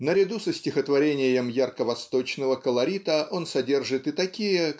наряду со стихотворениями ярко восточного колорита он содержит и такие